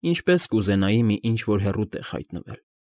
Ինչպես կուզենայի մի ինչ֊որ հեռու տեղ հայտնվել»։